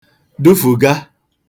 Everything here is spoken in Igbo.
dufùga